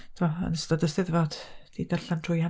timod, yn ystod y 'Steddfod, 'di darllen trwy 'i han...